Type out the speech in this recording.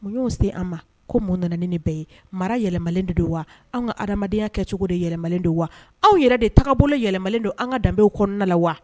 Mun y'u se an ma ko mun na na ni nin bɛɛ ye mara yɛlɛmalen de do wa an ka adamadenya kɛ cogo do yɛlɛmalen do wa anw yɛrɛ de tagabolo yɛlɛmalen do an ka danbe kɔnɔna la wa.